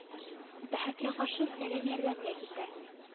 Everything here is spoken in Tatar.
Бәхеткә каршы сәлим ярдәмгә килде